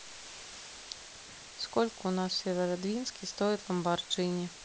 сколько у нас в северодвинске стоит lamborghini